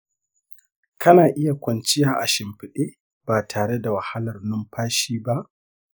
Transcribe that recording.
kana iya kwanciya a shimfiɗe ba tare da wahalar numfashi ba?